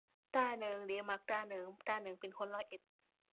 ต้าเหนิงเด้ มักต้าเหนิง ต้าเหนิงเป็นคนร้อยเอ็ด